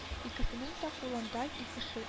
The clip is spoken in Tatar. Икесенең дә кулында икеше